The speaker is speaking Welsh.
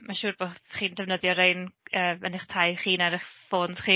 Ma'n siŵr bod chi'n defnyddio rain yy yn eich tai chi, neu ar eich ffôns chi.